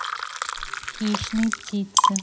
хищные птицы